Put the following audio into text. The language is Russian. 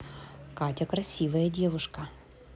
катя красивая девушка